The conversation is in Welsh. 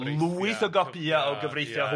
ma' na lwyth o gopïau o cyfreithiau ia ia.